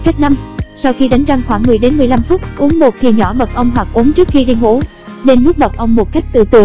cách sau khi đánh răng khoảng phút uống thìa nhỏ mật ong hoặc uống trước khi đi ngủ nên nuốt mật ong một cách từ từ